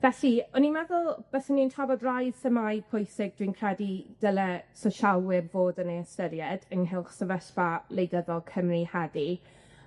Felly, o'n i'n meddwl byswn i'n trafod rai themâu pwysig dwi'n credu dyle sosialwyr fod yn eu ystyried ynghylch sefyllfa wleidyddol Cymru heddi.